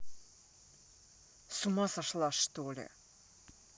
с ума сошла что ли